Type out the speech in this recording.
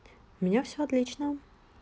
у меня все отлично